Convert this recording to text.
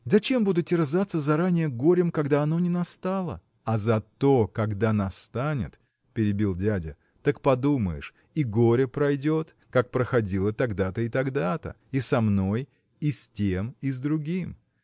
зачем буду терзаться заранее горем, когда оно не настало? – А зато когда настанет – перебил дядя – так подумаешь – и горе пройдет как проходило тогда-то и тогда-то и со мной и с тем и с другим.